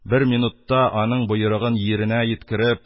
Бер минутта аның боерыгын йиренә йиткереп,